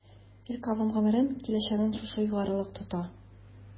Ил-кавем гомерен, киләчәген шушы югарылык тота.